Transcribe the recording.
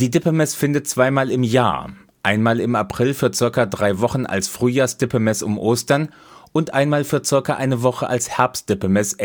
Dippemess findet zweimal im Jahr – einmal im April für ca. drei Wochen als Frühjahrs-Dippemess um Ostern und einmal für ca. eine Woche als Herbst-Dippemess